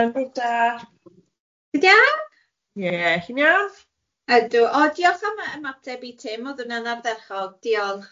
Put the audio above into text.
-waith da. Ti'n iawn? Ie. Chi'n iawn? O diolch am y ymateb i Tim, oedd hwnna'n ardderchog, diolch.